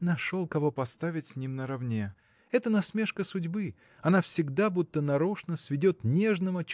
– Нашел кого поставить с ним наравне! это насмешка судьбы. Она всегда будто нарочно сведет нежного